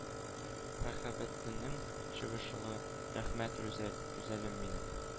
Мәхәббәтеңнең чагылышы... Рәхмәт, Рүзәл... Рүзәлем минем...